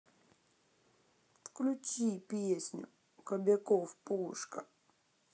включи песню кобяков пушка